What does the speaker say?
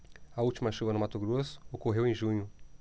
a última chuva no mato grosso ocorreu em junho